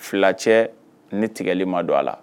Fila cɛ ni tigɛli ma don a la